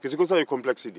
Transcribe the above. kisikɔsɔ ye kɔnpilɛkisi de ye